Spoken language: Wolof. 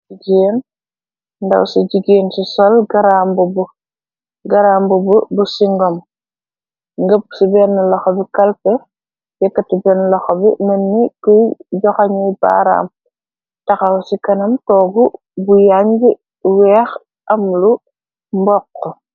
jigeen ndaw ci jigéen ci sol garamb b bu singom ngëpp ci benn loxo bi kalpe yekkti benn loxo bi menni kuy joxañuy baaraam taxaw ci kanam toogu bu yang weex am lu mbokq